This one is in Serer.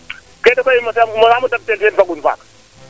keene koy mosamo damrer teen fagun faak